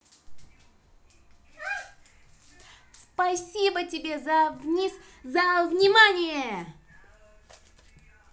спасибо тебе за вниз за внимание